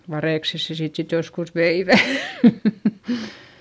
varikset sen siitä sitten joskus veivät